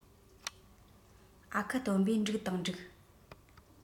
ཨ ཁུ སྟོན པས འགྲིག དང འགྲིག